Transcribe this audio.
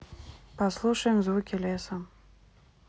послушаем звуки леса